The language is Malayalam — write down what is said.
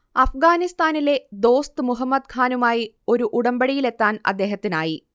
അഫ്ഗാനിസ്താനിലെ ദോസ്ത് മുഹമ്മദ് ഖാനുമായി ഒരു ഉടമ്പടിയിലെത്താൻ അദ്ദേഹത്തിനായി